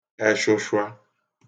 eshụshwa